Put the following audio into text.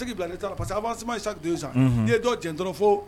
Bɛ se k'i bila retard la parce que avancement ye chaque 2 ans , unhun, n'i ye dɔ jɛ dɔrɔn fo